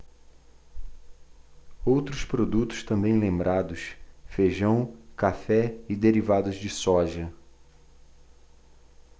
outros produtos também lembrados feijão café e derivados de soja